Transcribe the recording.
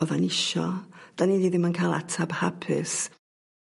oddan ni isio dan ni ddi- ddim yn ca'l atab hapus.